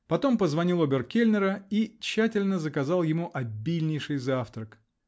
Потом позвонил обер-кельнера и тщательно заказал ему обильнейший завтрак.